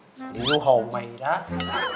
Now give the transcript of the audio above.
liệu hồn mày nhá